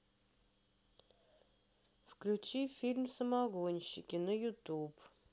включи фильм самогонщики на ютуб